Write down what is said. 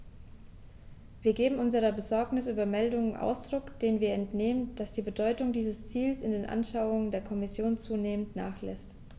Wir geben unserer Besorgnis über Meldungen Ausdruck, denen wir entnehmen, dass die Bedeutung dieses Ziels in den Anschauungen der Kommission zunehmend nachlässt.